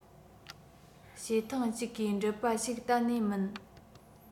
བྱེད ཐེངས གཅིག གིས འགྲུབ པ ཞིག གཏན ནས མིན